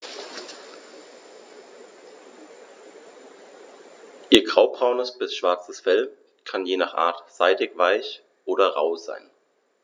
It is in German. Ihr graubraunes bis schwarzes Fell kann je nach Art seidig-weich oder rau sein.